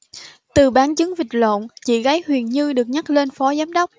từ bán trứng vịt lộn chị gái huyền như được nhấc lên phó giám đốc